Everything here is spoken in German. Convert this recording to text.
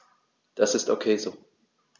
Das ist ok so.